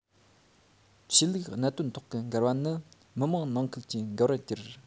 ཆོས ལུགས གནད དོན ཐོག གི འགལ བ ནི མི དམངས ནང ཁུལ གྱི འགལ བར གྱུར